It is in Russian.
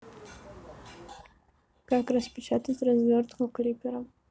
как распечатать развертку крипера